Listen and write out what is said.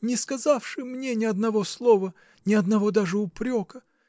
-- Не сказавши мне ни одного слова, ни одного даже упрека.